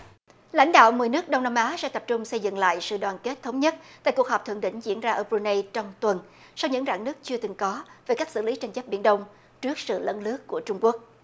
lãnh đạo mười nước đông nam á sẽ tập trung xây dựng lại sự đoàn kết thống nhất tại cuộc họp thượng đỉnh diễn ra ở bờ ru nây trong tuần sau những rạn nứt chưa từng có về cách xử lý tranh chấp biển đông trước sự lấn lướt của trung quốc